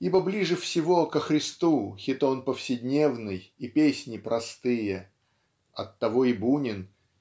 Ибо ближе всего ко Христу хитон повседневный и песни простые оттого и Бунин